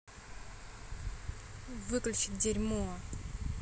выключить дерьмо